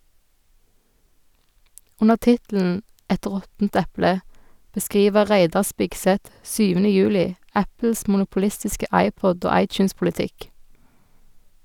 Under tittelen «Et råttent eple» beskriver Reidar Spigseth 7. juli Apples monopolistiske iPod- og iTunes-politikk.